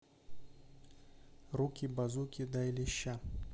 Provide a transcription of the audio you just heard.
руки базуки дай леща